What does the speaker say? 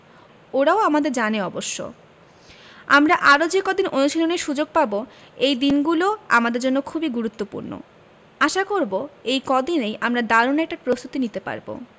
ওরাও আমাদের জানে অবশ্য আমরা আরও যে কদিন অনুশীলনের সুযোগ পাব এই দিনগুলো আমাদের জন্য খুবই গুরুত্বপূর্ণ আশা করব এই কদিনে আমরা দারুণ একটা প্রস্তুতি নিতে পারব